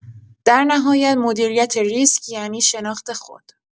در نهایت مدیریت ریسک یعنی شناخت خود.